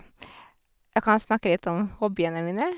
Jeg kan snakke litt om hobbyene mine.